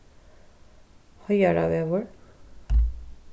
heiðaravegur